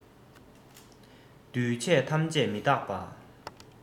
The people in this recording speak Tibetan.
འདུས བྱས ཐམས ཅད མི རྟག པ